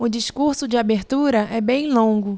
o discurso de abertura é bem longo